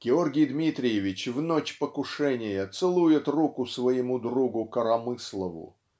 Георгий Дмитриевич в ночь покушения целует руку своему другу Коромыслову